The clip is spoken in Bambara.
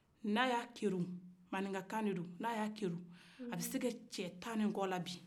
n'a ya fili a bɛ se ka cɛ tan ni kɔ la bin